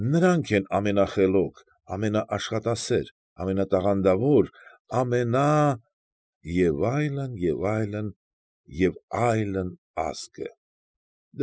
Նրանք են ամենախելոք, ամենաաշխատասեր, ամենատաղանդավոր, ամենա… և այլն, և այլն, և այլն ազգը։